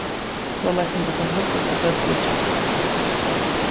soleiðis sum tað kundi hugsast at børn síggja hann